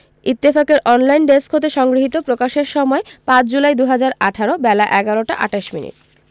ইত্তফাকের online desk হতে সংগৃহীত প্রকাশের সময় ৫ জুলাই ২০১৮ বেলা১১টা ২৮ মিনিট